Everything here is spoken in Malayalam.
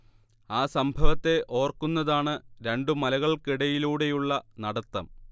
ആ സംഭവത്തെ ഓർക്കുന്നതാണ് രണ്ടു മലകൾക്കിടയിലൂടെയുള്ള നടത്തം